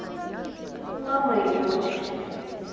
мама и дочки